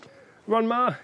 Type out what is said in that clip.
Rŵan ma'